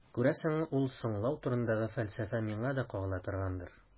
Күрәсең, ул «соңлау» турындагы фәлсәфә миңа да кагыла торгандыр.